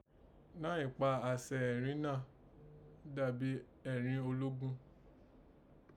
Nàì kpa àsẹ ẹrin náà dabi ẹrin ológun